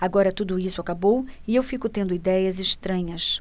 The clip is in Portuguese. agora tudo isso acabou e eu fico tendo idéias estranhas